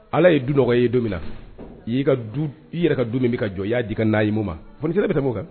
Ala ye du nɔgɔ ye don min na'i i yɛrɛ ka du min bɛ ka jɔ i y'a di i ka nmu ma foni sera bɛ tɛmɛ mun kan